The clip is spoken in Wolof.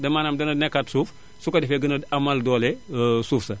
de maanaam dana nekkaat suuf su ko defee gën a amal doole suuf sa